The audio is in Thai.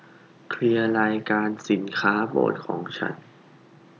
เคลียร์รายการสินค้าโปรดของฉัน